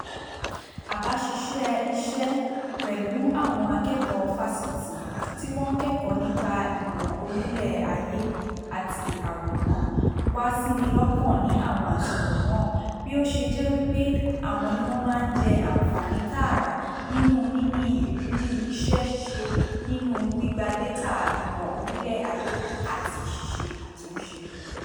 Àbá ṣíṣe iṣẹ́ pẹ̀lú àwọn akẹ́kọ̀ọ́ Fásitì, tí wọ́n ń kẹ́kọ̀ọ́ nípa ìmọ̀ orílẹ̀ ayé/àwòrán wá sí mi lọ́kàn ní àwọn àsìkò náà, bí ó ṣe jẹ́ wí pé àwọn ni wọ́n máa jẹ àǹfààní tààrà nínú níní ìrírí iṣẹ́ ṣíṣe nínú gbígba dátà ìmọ̀ orílẹ̀ ayé àti ṣíṣe àtúnṣe